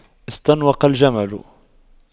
استنوق الجمل